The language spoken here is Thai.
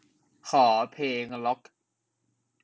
ขอเพลงร็อค